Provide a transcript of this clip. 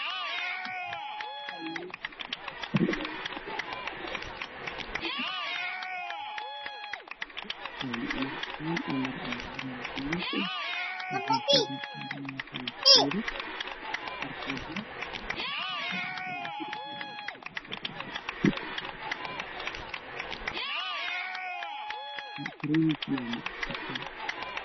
Meeshan waxa ay yeelo miis saaran yahay kooxdaan kuraas midabadooda yihiin madow dhulka waa caddeys iyo madow isku jiro darbiga waa guduud